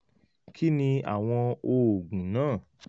"Kíni àwọn oògùn náà?